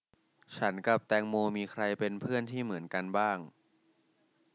ฉันกับแตงโมมีใครเป็นเพื่อนที่เหมือนกันบ้าง